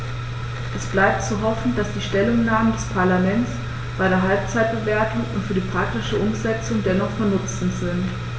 Es bleibt zu hoffen, dass die Stellungnahmen des Parlaments bei der Halbzeitbewertung und für die praktische Umsetzung dennoch von Nutzen sind.